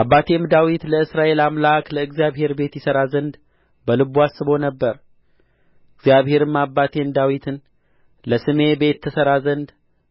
አባቴም ዳዊት ለእስራኤል አምላክ ለእግዚአብሔር ቤት ይሠራ ዘንድ በልቡ አስቦ ነበር እግዚአብሔርም አባቴን ዳዊትን ለስሜ ቤት ትሠራ ዘንድ